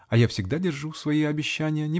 а я всегда держу свои обещания